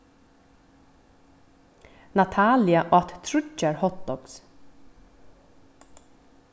natalia át tríggjar hotdogs